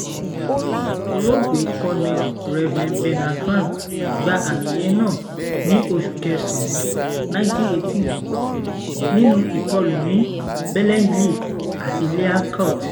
Lt Col The Reverend Bernard Vann gba àmì ẹ̀yẹ náà ní oṣù kẹsàn án 1918 nínú ìkọlù ní Bellenglise àti Lehaucourt.